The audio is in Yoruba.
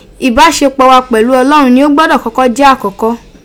Ibasepo wa pelu Olorun ni o gbodo koko je akoko